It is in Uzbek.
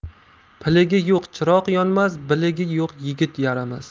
piligi yo'q chiroq yonmas biligi yo'q yigit yaramas